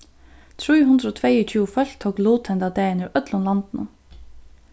trý hundrað og tveyogtjúgu fólk tóku lut henda dagin úr øllum landinum